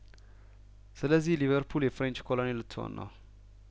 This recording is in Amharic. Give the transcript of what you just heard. ስለዚህ ሊቨርፑል የፍሬንች ኮሎኒ ልት ሆን ነው